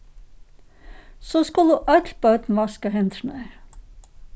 so skulu øll børn vaska hendurnar